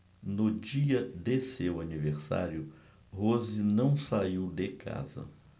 no dia de seu aniversário rose não saiu de casa